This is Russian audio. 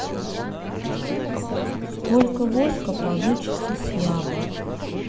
сколько воска получится с яблок